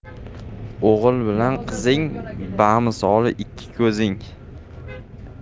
o'g'il bilan qizing bamisoli ikki ko'zing